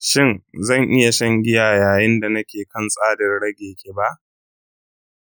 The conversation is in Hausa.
shin zan iya shan giya yayin da nake kan tsarin rage kiba?